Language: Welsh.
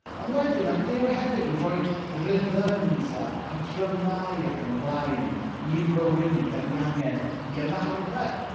Ond wedyn ma' Duw hefyd yn rhoi rhythms a patrymau ac yn y blaen i'n bywyd ni dan ni angen i ymarfer.